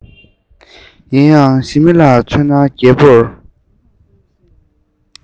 ཡིན ཡང ཞི མི ལ མཚོན ན རྒྱལ པོར